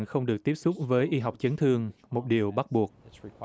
không được tiếp xúc với y học chấn thương một điều bắt buộc